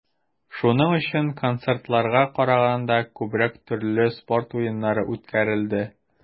Шуның өчен, концертларга караганда, күбрәк төрле спорт уеннары үткәрелде.